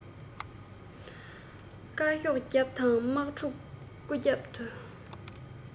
བཀའ ཤོག རྒྱབ དང དམག ཕྲུག སྐུ རྒྱབ ཏུ